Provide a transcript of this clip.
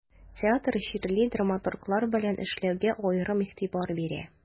Театр җирле драматурглар белән эшләүгә аерым игътибар бирә.